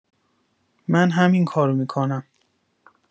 من همینکارو می‌کنم.